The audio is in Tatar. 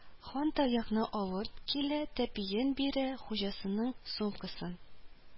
Кан таякны алып килә, тәпиен бирә, хуҗасының сумкасын